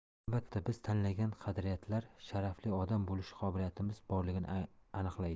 albatta biz tanlagan qadriyatlar sharafli odam bo'lish qobiliyatimiz borligini aniqlaydi